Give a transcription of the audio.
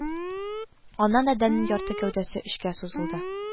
Аннан адәмнең ярты гәүдәсе эчкә сузылды